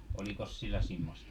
olikos sillä semmoista